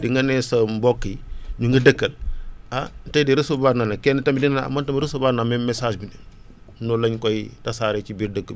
di nga ne sa mbokk yi ñi nga dëkkal ah tey de recevoir naa nag kenn tamit ne la ah man tam recevoir naa même message bi nii noonu la ñu koy tasaaree ci biir dëkk bi